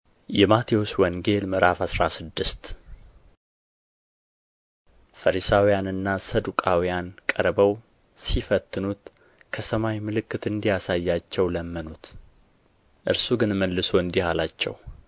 ﻿የማቴዎስ ወንጌል ምዕራፍ አስራ ስድስት ፈሪሳውያንና ሰዱቃውያንም ቀርበው ሲፈትኑት ከሰማይ ምልክት እንዲያሳያቸው ለመኑት እርሱ ግን መልሶ እንዲህ አላቸው